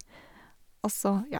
Og så, ja.